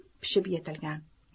pishib etilgan